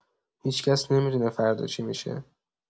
هیچ‌کس نمی‌دونه فردا چی می‌شه.